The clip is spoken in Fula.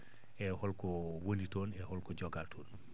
eeyi holko woni toon e holko jogaa toon